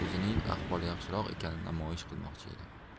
o'zining ahvoli yaxshiroq ekanini namoyish qilmoqchi edi